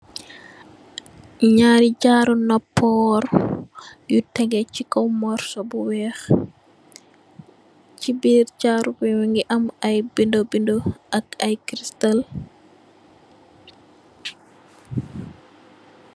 Ñaari jaru nopuh yu teyeh ci kaw morso bu wèèx. Ci biir jaru bi mugii am ay bindé bindé ak ay Kristal.